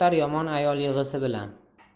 yomon ayol yig'isi bilan